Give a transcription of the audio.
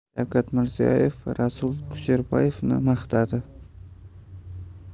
shavkat mirziyoyev rasul kusherbayevni maqtadi